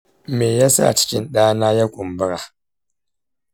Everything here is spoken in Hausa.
meyasa cikin dana ya kumbura?